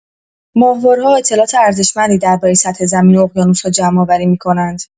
ماهواره‌ها اطلاعات ارزشمندی درباره سطح زمین و اقیانوس‌ها جمع‌آوری می‌کنند.